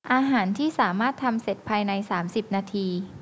อาหารที่สามารถทำเสร็จภายในสามสิบนาที